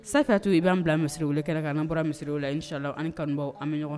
Sa kaa to i b'an bila misiriw kɛ k kaan bɔra misiw la i sila ani kanubaw an bɛ ɲɔgɔn